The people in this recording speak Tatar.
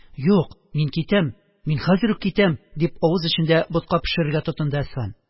– юк... мин китәм... мин хәзер үк китәм, – дип, авыз эчендә ботка пешерергә тотынды әсфан.